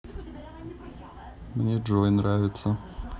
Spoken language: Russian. мне джой нравится